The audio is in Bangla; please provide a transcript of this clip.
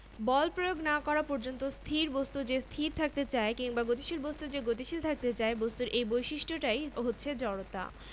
একই গতিতে ছুটে আসা একটা হালকা সাইকেল আর একটা ভারী ট্রাককে আমরা একদৃষ্টিতে দেখি না তার কারণটা হচ্ছে ভরের পার্থক্য কিন্তু ভরটা আসলে কী